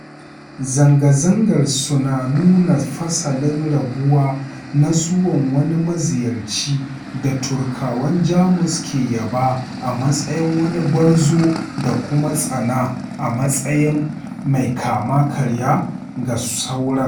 Zanga-zangar suna nuna fasalin rabuwa na zuwan wani maziyarci da Turkawan Jamus ke yaba a matsayin wani gwarzo da kuma tsana a matsayin mai-kama-karya ga sauran.